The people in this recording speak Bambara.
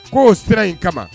K'o sira in kama